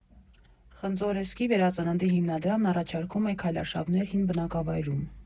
Խնձորեսկի վերածննդի հիմնադրամն առաջարկում է քայլարշավներ հին բնակավայրում։